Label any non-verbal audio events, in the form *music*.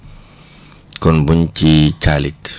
*breath* kon buñ ci caalit